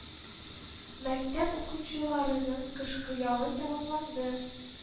Мәктәп укучыларының кышкы ялы тәмамланды